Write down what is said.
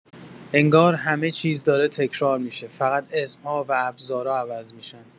انگار همه چیز داره تکرار می‌شه، فقط اسم‌ها و ابزارا عوض می‌شن.